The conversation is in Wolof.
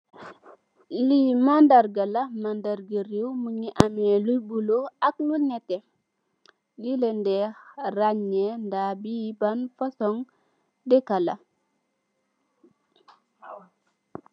Li mandarrgala mandarrga rew mingi ammee lu bulu ak lo nete li len deh rangnee li ban fahsion dehka la.